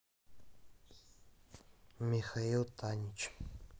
михаил танич